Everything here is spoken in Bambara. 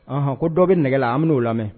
Ahɔn ko dɔw bɛ nɛgɛla an n'o lamɛn